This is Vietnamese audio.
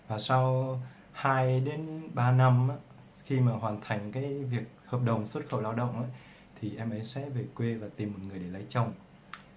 sau năm hoàn thành hợp đồng xuất khẩu lao động em ấy sẽ về quê và tìm người để lấy chồng